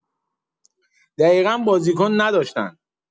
دقیقا بازیکن نداشتن